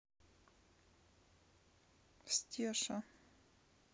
стеша